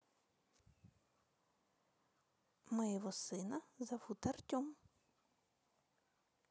моего сына зовут артем